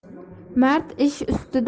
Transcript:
mard ish ustida